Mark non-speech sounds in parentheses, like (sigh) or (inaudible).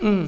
(hesitation) (hesitation)